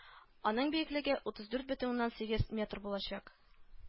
Аның биеклеге утыз дүрт бөтен уннан сигез метр булачак